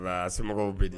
Somɔgɔww bɛ di